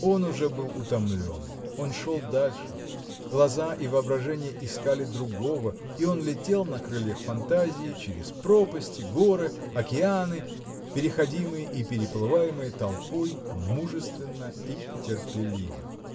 Он уже был утомлен, он шел дальше, глаза и воображение искали другого, и он летел на крыльях фантазии через пропасти, горы, океаны, переходимые и переплываемые толпой мужественно и терпеливо.